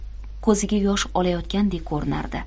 ko'ziga yosh olayotgandek ko'rinardi